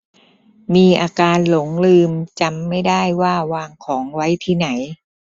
มีอาการหลงลืมจำไม่ได้ว่าวางของไว้ที่ไหน